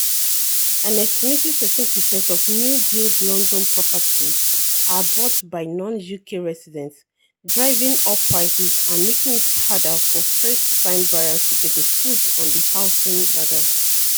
An estimated 13 per cent of new-build London properties are bought by non-UK residents, driving up prices and making it harder for first-time buyers to get a foot on the housing ladder.